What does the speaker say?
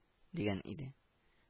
—дигән иде